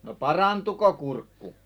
no parantuiko kurkku